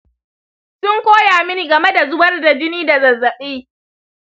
sun koya mini game da zubar jini da zazzabi.